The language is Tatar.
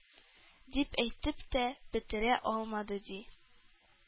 Дип әйтеп тә бетерә алмады, ди,